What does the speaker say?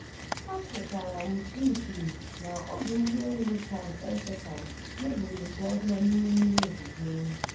Agụkwara m twiit na ọdụ ụgbọ elu Sharm El-Sheikh mebiri nke ọjọọ n'ime mmiri ozuzo!